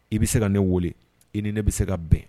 I bi se ka ne wele. I ni ne bi se ka bɛn.